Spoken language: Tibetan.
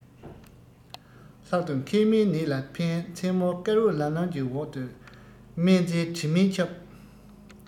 ལྷག ཏུ མཁལ མའི ནད ལ ཕན མཚན མོར སྐར འོད ལམ ལམ གྱི འོག ཏུ སྨན རྩྭའི དྲི མས ཁྱབ